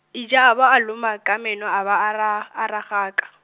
ijaa ba a loma ka meno a ba a ra, a ragaka.